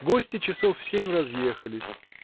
Гости часов в семь разъехались.